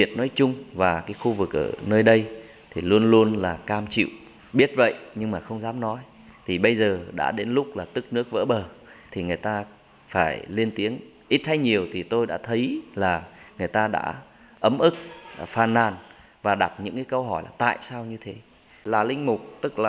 việt nói chung và cái khu vực ở nơi đây thì luôn luôn là cam chịu biết vậy nhưng mà không dám nói thì bây giờ đã đến lúc là tức nước vỡ bờ thì người ta phải lên tiếng ít hay nhiều thì tôi đã thấy là người ta đã ấm ức phàn nàn và đặt những câu hỏi tại sao như thế là linh mục tức là